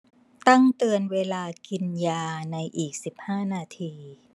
ตั้งเตือนเวลากินยาในอีกสิบห้านาที